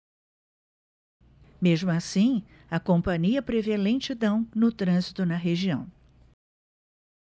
mesmo assim a companhia prevê lentidão no trânsito na região